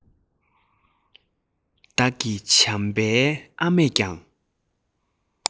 བདག གི བྱམས པའི ཨ མས ཀྱང